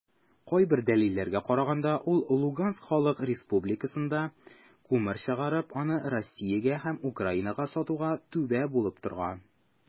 Кайбер дәлилләргә караганда, ул ЛХРда күмер чыгарып, аны Россиягә һәм Украинага сатуга "түбә" булып торган.